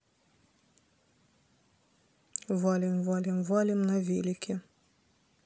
валим валим валим на велике